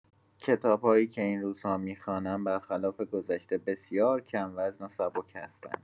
کتاب‌هایی که این روزها می‌خوانم، برخلاف گذشته، بسیار کم‌وزن و سبک هستند.